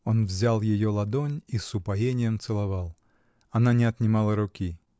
Он взял ее ладонь и с упоением целовал. Она не отнимала руки.